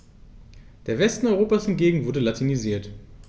Der Westen Europas hingegen wurde latinisiert.